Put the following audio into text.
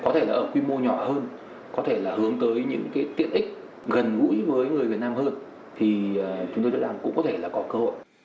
có thể ở quy mô nhỏ hơn có thể là hướng tới những cái tiện ích gần gũi với người việt nam hơn thì chúng tôi đã làm cũng có thể là có cơ hội